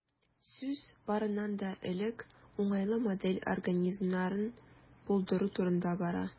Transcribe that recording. Сүз, барыннан да элек, уңайлы модель организмнарын булдыру турында бара.